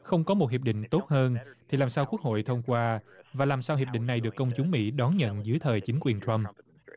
không có một hiệp định tốt hơn thì làm sao quốc hội thông qua và làm sao hiệp định này được công chúng mỹ đón nhận dưới thời chính quyền trăm